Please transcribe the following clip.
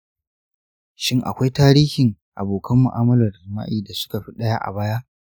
shin akwai tarihin abokan mu’amalar jima’i da suka fi ɗaya a baya?